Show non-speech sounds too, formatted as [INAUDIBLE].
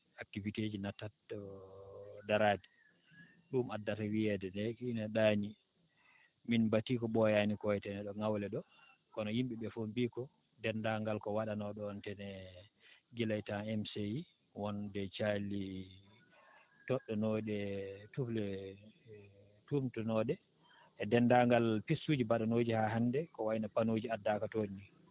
activité ji nattat [HESITATION] daraade ɗum addata wiyeede ne ina ɗaanii min batii ko ɓooyaani ko etede ɗo Ngawle ɗo kono yimɓe ɓee fof mbiyi ko denndaangal ko waɗanoo ɗoon te ne gila e temps CI wonde caali todɗanooje e tufle tumtanooɗe e denndaangal piste uuji mbaɗanooɗi haa hannde ko wayi no paneau ji addaaka toon ni